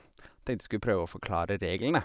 Tenkte jeg skulle prøve å forklare reglene.